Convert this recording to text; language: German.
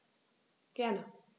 Gerne.